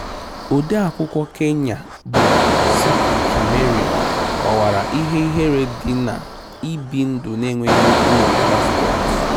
Odee akwụkwọ Kenya bụ Ciku Kimeria kọwara ihe ihere dị n'ibi ndụ n'enweghị ụrụ paspọtụ.